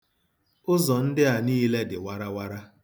Ụzọ ndị a niile dị warawara.